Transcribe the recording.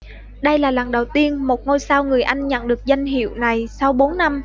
đây là lần đầu tiên một ngôi sao người anh nhận được danh hiệu này sau bốn năm